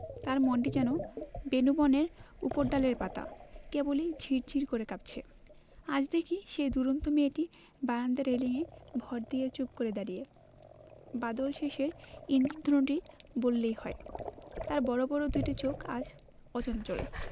তার মনটি যেন বেনূবনের উপরডালের পাতা কেবলি ঝির ঝির করে কাঁপছে আজ দেখি সেই দূরন্ত মেয়েটি বারান্দায় রেলিঙে ভর দিয়ে চুপ করে দাঁড়িয়ে বাদলশেষের ঈন্দ্রধনুটি বললেই হয় তার বড় বড় দুটি চোখ আজ অচঞ্চল